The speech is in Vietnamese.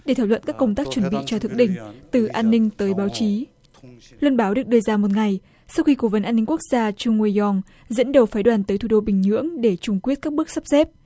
để thảo luận các công tác chuẩn bị cho thượng đỉnh từ an ninh tới báo chí luân báo được đưa ra một ngày sau khi cố vấn an ninh quốc gia chưa nguôi dong dẫn đầu phái đoàn tới thủ đô bình nhưỡng để chung quyết các bước sắp xếp